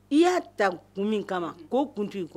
I y'a ta kun min kama k'o kun t'i kɔnɔ